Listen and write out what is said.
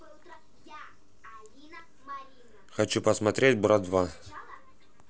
хочу посмотреть брат два